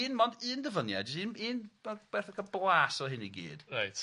Un, mond un dyfyniad, jyst un un b- beth o ga'l blas oedd hyn i gyd... Reit...